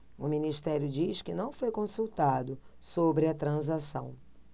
o ministério diz que não foi consultado sobre a transação